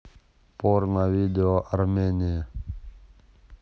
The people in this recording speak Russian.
порно видео армении